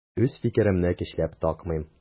Үз фикеремне көчләп такмыйм.